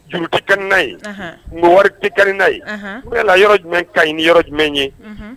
Juru tɛ ka ni n'a ye, wari tɛ kani n'a ye, kao yala yɔrɔ jumɛn ka ɲi ni yɔrɔ jumɛn ye